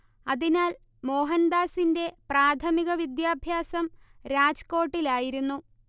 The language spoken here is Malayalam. അതിനാൽ മോഹൻദാസിന്റെ പ്രാഥമിക വിദ്യാഭ്യാസം രാജ്കോട്ടിലായിരുന്നു